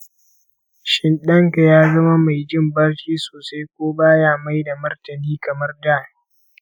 shin ɗan ka ya zama mai jin barci sosai ko ba ya maida martani kamar da?